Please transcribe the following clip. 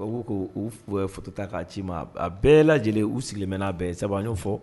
U ko u futata k'a ci ma a bɛɛ lajɛ lajɛlen u sigilen nna bɛn ye sabay fɔ